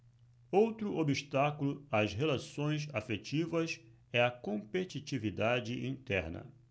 outro obstáculo às relações afetivas é a competitividade interna